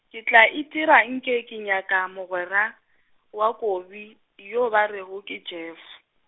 ke tla itira nke ke nyaka mogwera, wa Kobi yo ba rego ke Jeff.